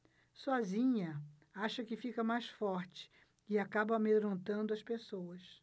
sozinha acha que fica mais forte e acaba amedrontando as pessoas